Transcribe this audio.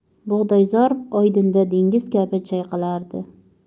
bug'doyzor oydinda dengiz kabi chayqalardi